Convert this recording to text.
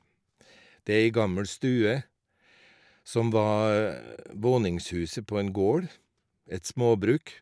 Det er ei gammel stue som var våningshuset på en gård, et småbruk.